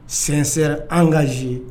Sensɛn an ka zie